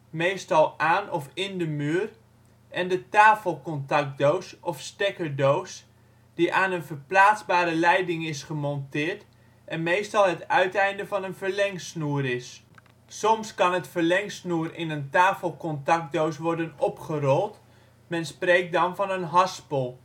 meestal aan of in de muur, en de tafelcontactdoos of stekkerdoos die aan een verplaatsbare leiding is gemonteerd en meestal het uiteinde van een verlengsnoer is. Soms kan het verlengsnoer in een tafelcontactdoos worden opgerold, men spreekt dan van een haspel